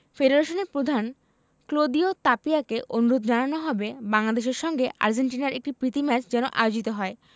ফেডারেশনের প্রধান ক্লদিও তাপিয়াকে অনুরোধ জানানো হবে বাংলাদেশের সঙ্গে আর্জেন্টিনার একটি প্রীতি ম্যাচ যেন আয়োজিত হয়